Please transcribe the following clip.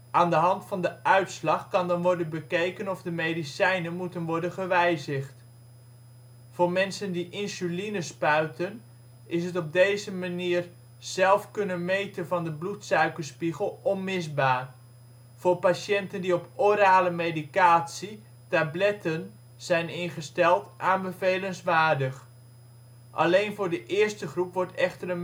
Aan de hand van de uitslag kan dan worden bekeken of de medicijnen moeten worden gewijzigd. Voor mensen die insuline spuiten is het op deze manier zelf kunnen meten van de bloedsuikerspiegel onmisbaar; voor patiënten die op orale medicatie (tabletten) zijn ingesteld aanbevelenswaardig. Alleen voor de eerste groep wordt echter